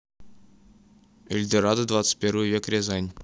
эльдорадо двадцать первый век рязань